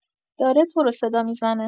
داره تو رو صدا می‌زنه!